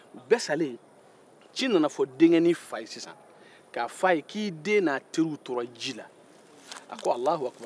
u bɛɛ salen ci nana fɔ denkɛnin fa ye k'a den n'a tɔɲɔgɔnw tora ji la a ko alahu akibaru